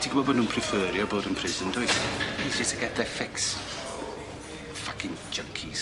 Ti'n gwbod bo' nw'n preferio bod yn prison, dwyt? Easier to get their fix. Fucking junkies.